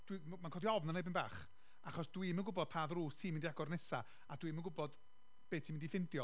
Dwi... ma'n codi ofn arna i dipyn bach, achos dwi'm yn gwybod pa ddrws ti'n mynd i agor nesa, a dwi'm yn gwybod be ti'n mynd i ffeindio.